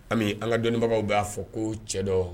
Ami an ka dɔnniibagaw b'a fɔ ko cɛdɔn